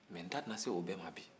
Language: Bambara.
mɛ n da tɛna se o bɛɛ ma bi